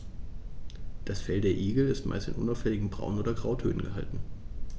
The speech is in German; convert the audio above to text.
Das Fell der Igel ist meist in unauffälligen Braun- oder Grautönen gehalten.